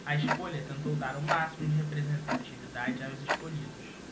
a escolha tentou dar o máximo de representatividade aos escolhidos